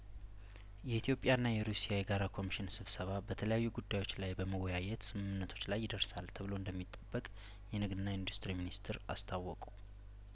የኢትዮጵያ ና የሩስያ የጋራ ኮሚሽን ስብሰባ በተለያዩ ጉዳዮች ላይ በመወያየት ስምምነቶች ላይ ይደርሳል ተብሎ እንደሚጠበቅ የንግድና ኢንዱስትሪ ሚኒስትር አስታወቁ